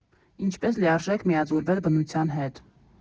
Ինչպես լիարժեք միաձուլվել բնության հետ։